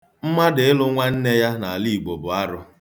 Mmadụ ịlụ nwanne ya n'ala Igbo bụ arụ.